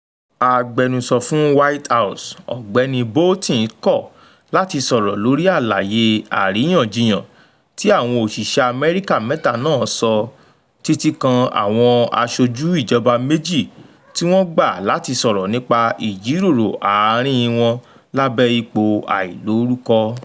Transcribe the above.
Agbẹnusọ fún White House Ọ̀gbẹ́ni Bolton kọ̀ láti sọ̀rọ̀ lórí àlàyé àríyànjiyàn tí àwọn òṣìṣẹ́ Amẹ́ríkà mẹ́ta náà sọ, títí kan àwọn aṣojú ìjọba méjì, tí wọ́n gbà láti sọ̀rọ̀ nípa ìjíròrò àárín wọn lábẹ́ ipò àìlórúkọ.